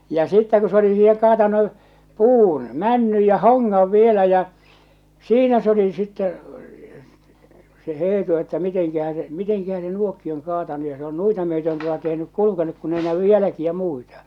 ja sitten kun se oli siihen kaatanut puun männyn ja hongan vielä ja siinä se oli sitten se Eetu että mitenkähän se mitenkähän se nuokin on kaatanut ja se on noita myöten tuota tehnyt kulkenut kun ei näy jälkiä muita